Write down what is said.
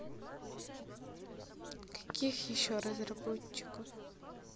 каких еще разработчиков